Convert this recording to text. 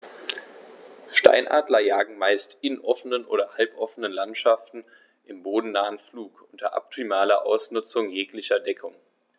Steinadler jagen meist in offenen oder halboffenen Landschaften im bodennahen Flug unter optimaler Ausnutzung jeglicher Deckung.